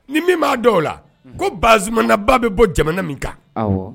Ni min b'a dɔw o la ko ba zanaba bɛ bɔ jamana min kan